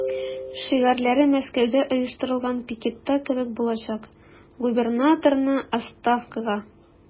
Шигарьләре Мәскәүдә оештырылган пикетта кебек булачак: "Губернаторны– отставкага!"